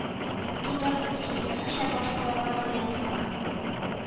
Тудырмый, киресенчә, башкаларга зыян сала